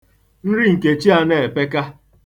Nri Nkechi a na-epeka.